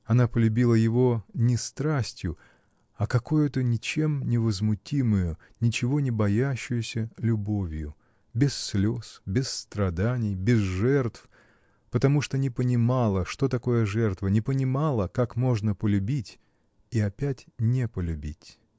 Она полюбила его не страстью, а какою-то ничем не возмутимою, ничего не боящеюся любовью, без слез, без страданий, без жертв, потому что не понимала, что такое жертва, не понимала, как можно полюбить и опять не полюбить.